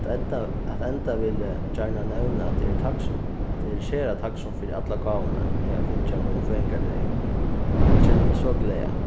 at enda at enda vil eg gjarna nevna at eg eri takksom at eg eri sera takksom fyri allar gávurnar eg havi fingið á mínum føðingardegi eg kenni meg so glaða